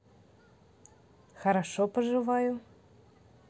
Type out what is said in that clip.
хорошо поживаю